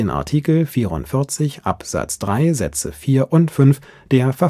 Art. 44 Abs. 3 Sätze 4 und 5 BV